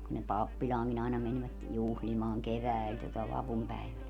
kun ne pappilaankin aina menivät juhlimaan keväällä tuota vapunpäivänä